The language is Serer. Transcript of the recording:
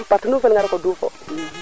so ndiiki ka nera probleme na nuun aussi